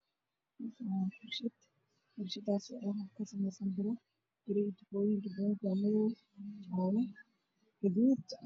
Meeshaan waxaa maraya laba nin OO aad u burburan oo qaba fananad gududan iyo mid cagaar ah